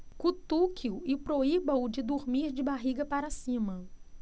cutuque-o e proíba-o de dormir de barriga para cima